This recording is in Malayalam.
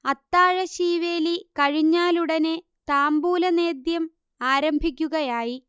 അത്താഴ ശീവേലി കഴിഞ്ഞാലുടനെ താംബൂല നേദ്യം ആരംഭിക്കുകയായി